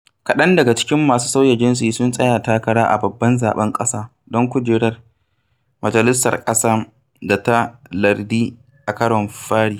Kaɗan daga cikin masu sauya jinsi sun tsaya takara a babban zaɓen ƙasa don kujerun majalisar ƙasa da ta lardi a karon fari.